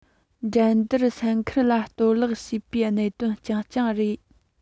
འགྲན བསྡུར སེམས ཁམས ལ གཏོར བརླག བྱེད པའི གནད དོན རྐྱང རྐྱང རེད